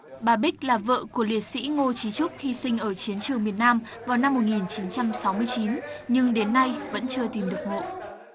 bà bích là vợ của liệt sỹ ngô chí trúc hy sinh ở chiến trường miền nam vào năm một nghìn chín trăm sáu mươi chín nhưng đến nay vẫn chưa tìm được mộ